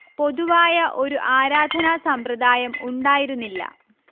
പൊതുവായ ഒരു ആരാധനാ സമ്പ്രദായം ഉണ്ടായിരുന്നില്ല